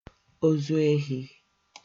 ozu ehī